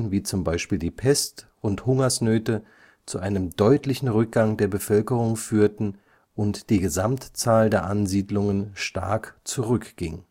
z. B. Pest) und Hungersnöte zu einem deutlichen Rückgang der Bevölkerung führten und die Gesamtzahl der Ansiedlungen stark zurückging